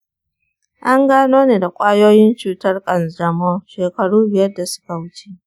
an gano ni da ƙwayoyin cutar kanjamau shekaru biyar da suka wuce.